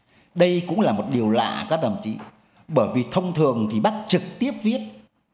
đây cũng là một điều lạ các đồng chí bởi vì thông thường thì bác trực tiếp viết